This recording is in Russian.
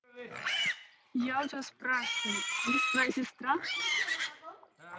я у тебя спрашиваю алиса твоя сестра